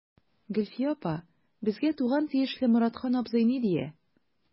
Гөлфия апа, безгә туган тиешле Моратхан абзый ни дия.